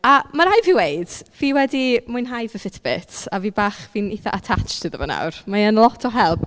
A ma' raid i fi weud fi wedi mwynhau fy Fitbit a fi bach... fi'n eitha attached iddo fe nawr. Mae e'n lot o help.